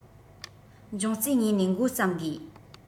འབྱུང རྩའི ངོས ནས འགོ བརྩམ དགོས